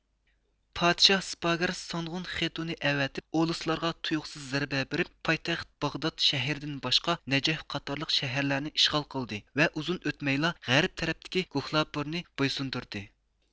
پادىشاھ سىپاگەر سانغۇن خېتۇنى ئەۋەتىپ ئۇلۇسلارغا تۇيۇقسىز زەربە بىرىپ پايتەخت باغدات شەھىرىدىن باشقا نەجەف قاتارلىق شەھەرلەرنى ئىشغال قىلدى ۋە ئۇزۇن ئۆتمەيلا غەرب تەرەپتىكى گوھلاپۇرنى بويسۇندۇردى